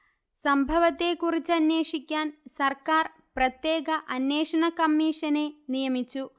സംഭവത്തെക്കുറിച്ചന്വേഷിക്കാൻ സർക്കാർ പ്രത്യേക അന്വേഷണ കമ്മീഷനെ നിയമിച്ചു